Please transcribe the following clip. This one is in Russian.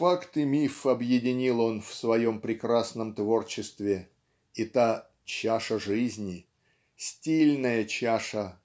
факт и миф объединил он в своем прекрасном творчестве и та "чаша жизни" стильная чаша